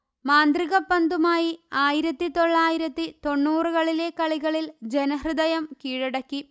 മാന്ത്രിക പന്തുമായി ആയിരത്തി തൊള്ളായിരത്തി തൊണ്ണൂറുകളിലെ കളികളിൽ ജനഹൃദയം കീഴടക്കി